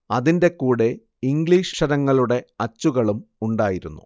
അതിന്റെ കൂടെ ഇംഗ്ലീഷ് അക്ഷരങ്ങളുടെ അച്ചുകളും ഉണ്ടായിരുന്നു